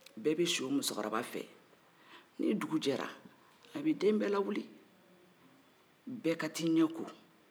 bɛɛ bɛ si o muso kɔrɔ ba fɛ ni dugu jɛra a bɛ den bɛɛ lawuli bɛɛ ka t'ii ɲɛ ko